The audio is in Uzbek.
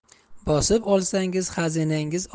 bosib olsangiz xazinangiz